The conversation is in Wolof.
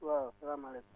waaw salaamaaleykum